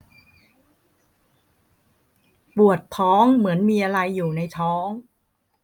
ปวดท้องเหมือนมีอะไรอยู่ในท้อง